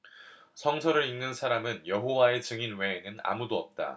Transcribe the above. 성서를 읽는 사람은 여호와의 증인 외에는 아무도 없다